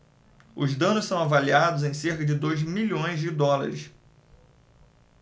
os danos são avaliados em cerca de dois milhões de dólares